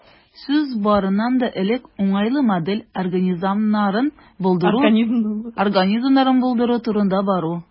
Сүз, барыннан да элек, уңайлы модель организмнарын булдыру турында бара.